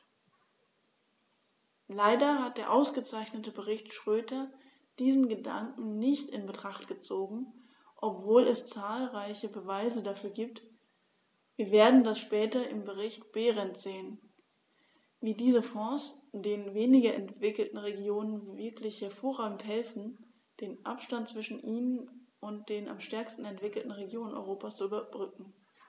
Leider hat der ausgezeichnete Bericht Schroedter diesen Gedanken nicht in Betracht gezogen, obwohl es zahlreiche Beweise dafür gibt - wir werden das später im Bericht Berend sehen -, wie diese Fonds den weniger entwickelten Regionen wirklich hervorragend helfen, den Abstand zwischen ihnen und den am stärksten entwickelten Regionen Europas zu überbrücken.